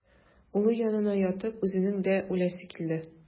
Улы янына ятып үзенең дә үләсе килде.